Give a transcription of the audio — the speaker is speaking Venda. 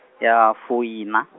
ya fuiṋa.